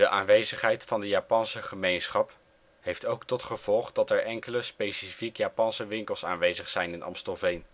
aanwezigheid van de Japanse gemeenschap heeft ook tot gevolg dat er enkele specifiek Japanse winkels aanwezig zijn in Amstelveen